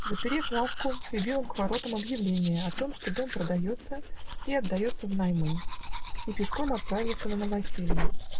Заперев лавку, прибил он к воротам объявление о том, что дом продается и отдается внаймы, и пешком отправился на новоселье.